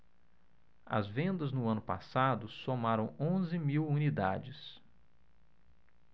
as vendas no ano passado somaram onze mil unidades